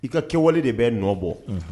I ka kɛwale de bɛ nɔ bɔ unhun